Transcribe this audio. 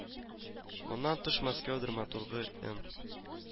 Моннан тыш Мәскәү драматургы эН